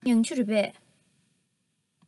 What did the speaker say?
ཕ གི མྱང ཆུ རེད པས